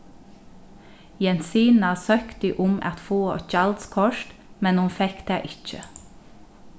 jensina søkti um at fáa eitt gjaldskort men hon fekk tað ikki